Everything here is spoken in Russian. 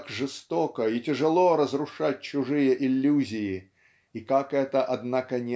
как жестоко и тяжело разрушать чужие иллюзии и как это однако